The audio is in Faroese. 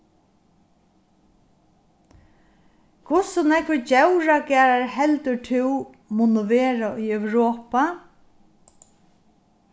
hvussu nógvir djóragarðar heldur tú munnu vera í europa